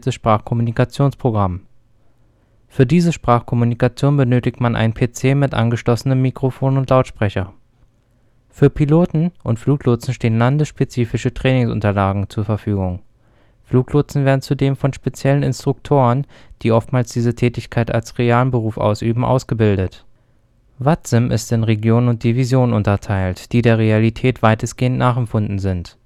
Sprach-Kommunikationsprogramm. Für diese Sprach-Kommunikation benötigt man ein am PC angeschlossenes Mikrofon und Lautsprecher. Für Piloten und Fluglotsen stehen landesspezifische Trainingsunterlagen zur Verfügung; Fluglotsen werden zudem von speziellen Instruktoren, die oftmals diese Tätigkeit als realen Beruf ausüben, ausgebildet. VATSIM ist in Regionen und Divisionen unterteilt, die der Realität weitestgehend nachempfunden sind